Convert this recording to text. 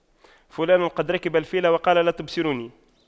فلان قد ركب الفيل وقال لا تبصروني